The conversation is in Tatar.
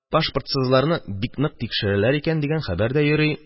Пашпортсызларны бик нык тикшерәләр икән дигән хәбәр дә йөри.